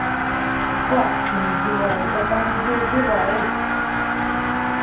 папки не зевают а там где убивают